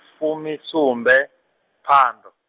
fumisumbe phando.